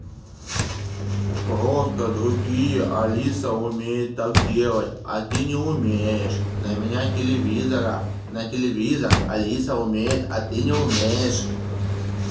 просто другие алиса умеет так делать а ты не умеешь на меня телевизора на телевизор алиса умеет а ты не умеешь